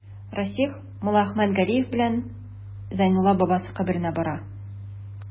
Расих Муллаәхмәт Галиев белән Зәйнулла бабасы каберенә бара.